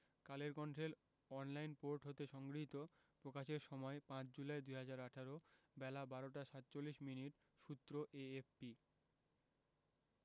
কালের কন্ঠের online port হতে সংগৃহীত প্রকাশের সময় ৫ জুলাই ২০১৮ বেলা ১২টা ৪৭ মিনিট সূত্র এএফপি